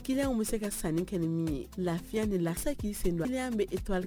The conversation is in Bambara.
Ki bɛ se ka sanni kɛ min ye lafiya ni la k'i sen don ale y' bɛ e tɔgɔ